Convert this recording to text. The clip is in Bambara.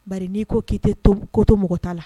Ba n'i ko k'i tɛ ko to mɔgɔ t ta la